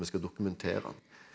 vi skal dokumentere.